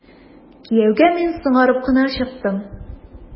Кияүгә мин соңарып кына чыктым.